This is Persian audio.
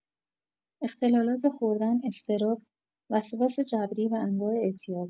اختلالات خوردن، اضطراب، وسواس جبری و انواع اعتیاد